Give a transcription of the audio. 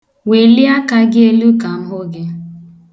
Welie aka gị elu ka m hụ gị.